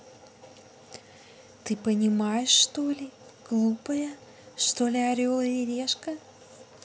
ты понимаешь что ли глупая что ли орел и решка